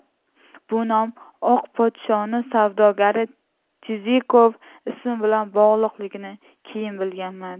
bu nom oq podshoning savdogari tezikov ismi bilan bog'liqligini keyin bilganman